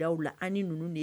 ' la an ni n ninnu de